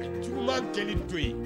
Uruba tɛ to yen